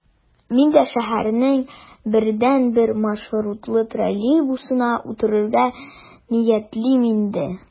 Мин дә шәһәрнең бердәнбер маршрутлы троллейбусына утырырга ниятлим инде...